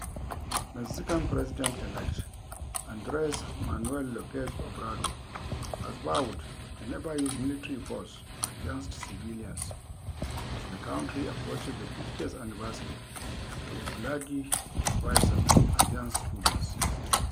Mexican President-elect Andres Manuel Lopez Obrador has vowed to never use military force against civilians as the country approaches the 50th anniversary of a bloody reprisal against students.